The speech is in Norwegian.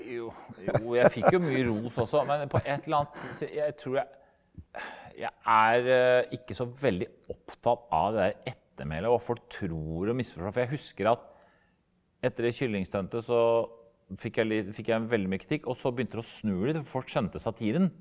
jo jo jeg fikk jo mye ros også men på et eller annet si jeg tror jeg jeg er ikke så veldig opptatt av det der ettermælet og folk tror og misforstår for jeg husker at etter det kyllingstuntet så fikk jeg fikk jeg veldig mye kritikk og så begynte det å snu litt for folk skjønte satiren.